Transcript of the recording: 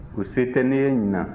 o se tɛ ne ye ɲinan